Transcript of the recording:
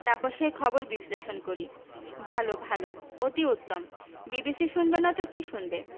তারপর সেই খবর বিশ্লেষণ করি ভাল ভাল অতি উত্তম বিবিসি শুনবেনা তো কি শুনবে